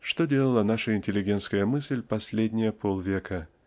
Что делала наша интеллигентская мысль последние полвека?